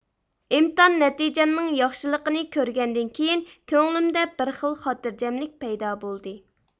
ئىمتىھان نەتىجەمنىڭ ياخشىلىقىنى كۆرگەندىن كېيىن كۆڭلۈمدە بىر خىل خاتىرجەملىك پەيدا بولدى